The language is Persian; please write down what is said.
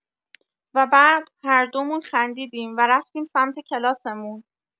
و بعد هردومون خندیدیم و رفتیم سمت کلاسمون.